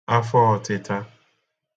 afọ ọtị̄tā